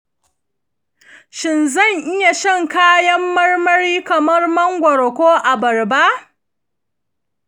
shin zan iya shan kayan-marmari kamar mangoro ko abarba?